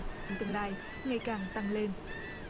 trong tương lai ngày càng tăng lên